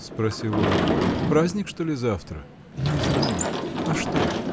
— спросил он, — праздник, что ли, завтра? — Не знаю, а что?